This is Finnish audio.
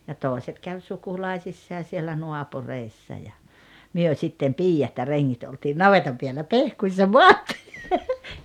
ja toiset kävi sukulaisissa siellä naapureissa ja me sitten piiat ja rengit oltiin navetan päällä pehkuissa maattiin